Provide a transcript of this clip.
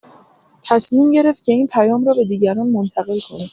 تصمیم گرفت که این پیام را به دیگران منتقل کند.